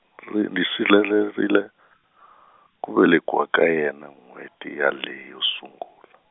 le ndzi sirhelerile, ku velekiwa ka yena n'hweti yaliya yo sungula.